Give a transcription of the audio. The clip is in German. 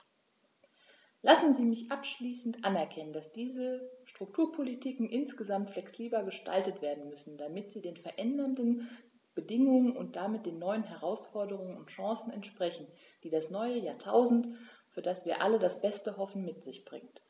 Lassen Sie mich abschließend anmerken, dass die Strukturpolitiken insgesamt flexibler gestaltet werden müssen, damit sie den veränderten Bedingungen und damit den neuen Herausforderungen und Chancen entsprechen, die das neue Jahrtausend, für das wir alle das Beste hoffen, mit sich bringt.